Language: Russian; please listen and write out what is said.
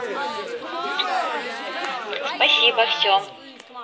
спасибо все